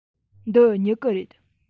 འདི སྨྱུ གུ རེད